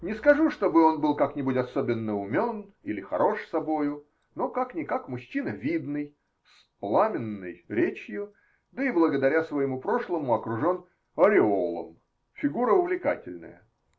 Не скажу, чтобы он был как-нибудь особенно умен или хорош собою, но как-никак мужчина видный, с "пламенной" речью, да и благодаря своему прошлому окружен "ореолом" -- фигура увлекательная.